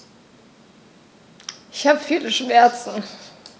Ich habe viele Schmerzen.